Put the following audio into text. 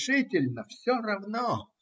Решительно все равно.